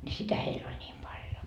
niin sitä heillä oli niin paljon